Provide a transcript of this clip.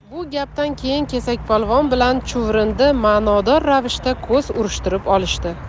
bu gapdan keyin kesakpolvon bilan chuvrindi ma'nodor ravishda ko'z urishtirib olishdi